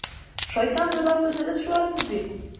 Шайтан буйлап үзегез шуасыз бит.